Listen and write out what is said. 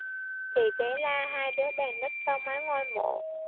chị bé la hai đứa bèn núp sau mấy ngôi mộ